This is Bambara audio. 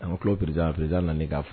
An kulo birizprizd nana na ne k'a fɔ